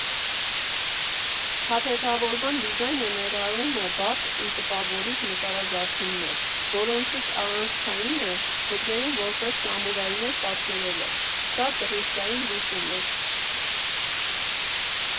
Փաթեթավորման դիզայնը ներառում է բարդ ու տպավորիչ նկարազարդումներ, որոնցից առանցքայինը՝ ձկներին որպես սամուրայներ պատկերելը, շատ ռիսկային լուծում էր։